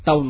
taw na